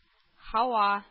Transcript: Һава